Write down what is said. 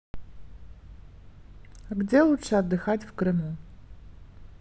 где лучше отдыхать в крыму